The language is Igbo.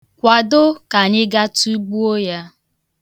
Kwado ka anyị gaa tugbo ya.